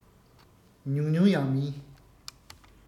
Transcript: ཉུང ཉུང ཡང མིན